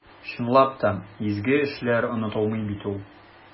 Чынлап та, изге эшләр онытылмый бит ул.